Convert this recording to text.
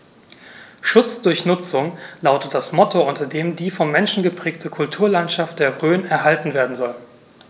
„Schutz durch Nutzung“ lautet das Motto, unter dem die vom Menschen geprägte Kulturlandschaft der Rhön erhalten werden soll.